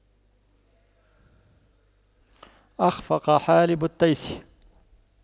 أَخْفَقَ حالب التيس